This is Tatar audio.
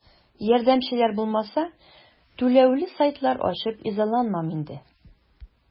Ярдәмчеләр булмаса, түләүле сайтлар ачып изаланмам инде.